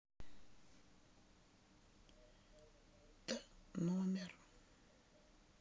т номер